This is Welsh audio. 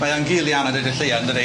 Mae o'n gul iawn a deud y lleia yndydi?